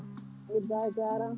eyyi Ba a jarama